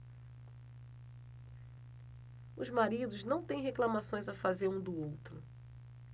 os maridos não têm reclamações a fazer um do outro